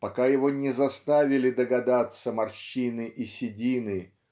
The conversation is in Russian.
пока его не заставили догадаться морщины и седины